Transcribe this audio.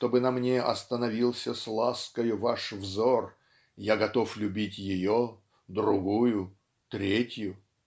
чтобы на мне остановился с ласкою ваш взор я готов любить ее другую третью.